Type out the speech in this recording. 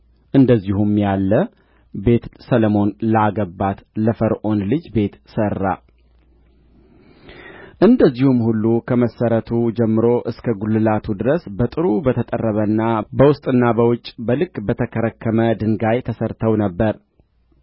እንደዚሁም ያለ ቤት ሰሎሞን ላገባት ለፈርዖን ልጅ ቤት ሠራ እነዚህም ሁሉ ከመሠረቱ ጀምሮ እስከ ጕልላቱ ድረስ በጥሩ በተጠረበና በውስጥና በውጭ በልክ በተከረከመ ድንጋይ ተሠርተው ነበር